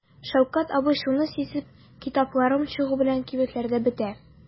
Шәүкәт абый шуны сизеп: "Китапларым чыгу белән кибетләрдә бетә".